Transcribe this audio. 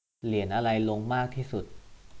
เหรียญอะไรลงมากที่สุด